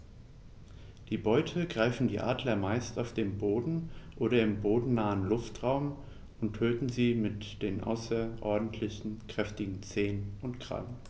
Die Beute greifen die Adler meist auf dem Boden oder im bodennahen Luftraum und töten sie mit den außerordentlich kräftigen Zehen und Krallen.